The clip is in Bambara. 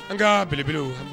An ka beleb